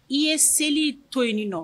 I ye seli to in nin nɔ